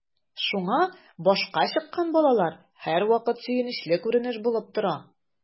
Шуңа “башка чыккан” балалар һәрвакыт сөенечле күренеш булып тора.